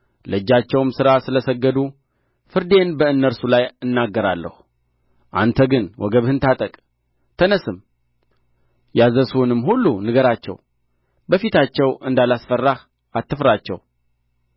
ለእጃቸውም ሥራ ስለ ሰገዱ ፍርዴን በእነርሱ ላይ እናገራለሁ አንተ ግን ወገብህን ታጠቅ ተነሥም ያዘዝሁህም ሁሉ ንገራቸው በፊታቸው እንዳላስፈራህ አትፍራቸው